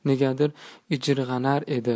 negadir ijirg'anar edi